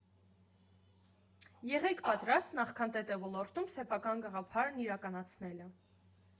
Եղե՛ք պատրաստ՝ նախքան ՏՏ ոլորտում սեփական գաղափարն իրականացնելը։